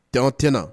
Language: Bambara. Tɔn tɛ